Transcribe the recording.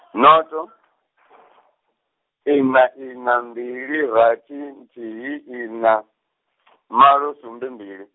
noto , ina ina mbili rathi nthihi ina, malo sumbe mbili.